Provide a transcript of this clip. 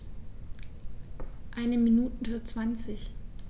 Eine Minute 20